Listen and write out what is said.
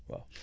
waaw